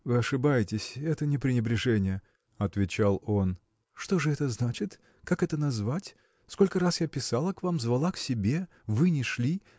– Вы ошибаетесь: это не пренебрежение, – отвечал он. – Что же это значит? как это назвать сколько раз я писала к вам звала к себе вы не шли